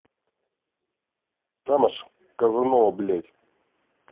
тамаш казанова блядь